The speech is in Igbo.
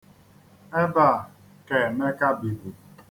Ebe a ka Emeka bibu.